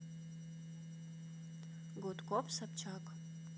гудков собчак